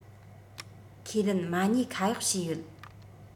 ཁས ལེན མ ཉེས ཁ གཡོག བྱས ཡོད